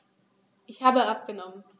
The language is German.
Ich habe abgenommen.